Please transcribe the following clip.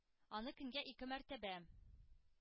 Аны көнгә ике мәртәбә